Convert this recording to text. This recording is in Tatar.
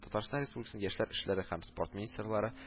Татарсатн Республикасы Яшләр эшләре һәм спорт министрлыклары